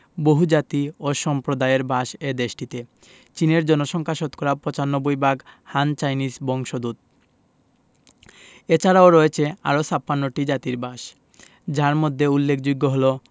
বহুজাতি ও সম্প্রদায়ের বাস এ দেশটিতে চীনের জনসংখ্যা শতকরা ৯৫ ভাগ হান চাইনিজ বংশোদূত এছারাও রয়েছে আরও ৫৬ টি জাতির বাসযার মধ্যে উল্লেখযোগ্য হলো